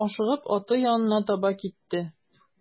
Ашыгып аты янына таба китте.